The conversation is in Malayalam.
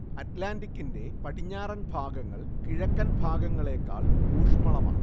അറ്റ്ലാന്റിക്കിന്റെ പടിഞ്ഞാറൻ ഭാഗങ്ങൾ കിഴക്കൻ ഭാഗങ്ങളേക്കാൾ ഊഷ്മളമാണ്